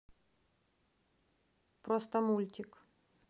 просто мультики